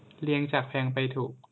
เรียงจากแพงไปถูก